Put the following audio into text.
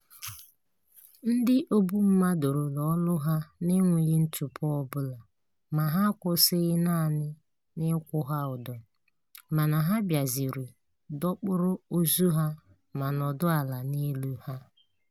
Ndị ogbummadụ rụrụ ọrụ ha na-enweghị ntụpọ ọbụla, ma ha akwụsịghịkwa naanị n'ịkwụ ha ụdọ, mana ha bịakwazịrị dọkpụrụ ozu ha ma nọdụ ala n'elu ha.